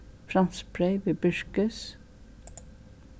franskbreyð við birkis